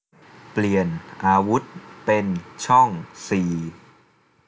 เปลี่ยนอาวุธเป็นช่องสี่